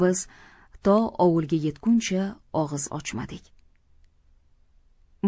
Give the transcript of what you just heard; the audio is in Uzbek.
biz to ovulga yetguncha og'iz ochmadik